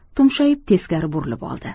tumshayib teskari burilib oldi